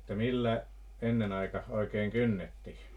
että millä ennen aikaan oikein kynnettiin